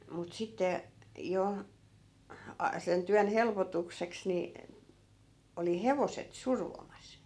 mutta sitten jo - sen työn helpotukseksi niin oli hevoset survomassa